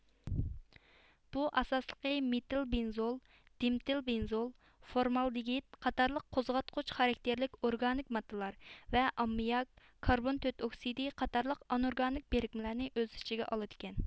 بۇ ئاساسلىقى مېتىل بېنزول دېمىتىل بېنزول فورمالدېگىد قاتارلىق قوزغاتقۇچ خاراكتېرلىك ئورگانىك ماددىلار ۋە ئاممىياك كاربون تۆت ئوكسىدى قاتارلىق ئانئورگانىك بىرىكمىلەرنى ئۆز ئىچىگە ئالىدىكەن